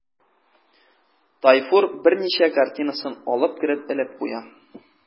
Тайфур берничә картинасын алып кереп элеп куя.